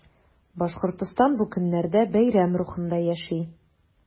Башкортстан бу көннәрдә бәйрәм рухында яши.